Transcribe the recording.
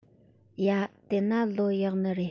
ཡ དེ ན ལོ ཡག ནི རེད